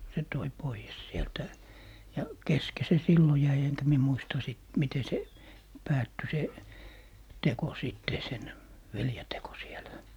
se toi pois sieltä ja kesken se silloin jäi enkä minä muista sitten miten se päättyi se teko sitten sen veljen teko siellä